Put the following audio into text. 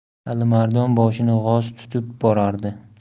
alimardon boshini g'oz tutib borardi